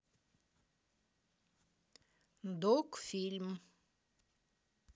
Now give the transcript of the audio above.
док фильм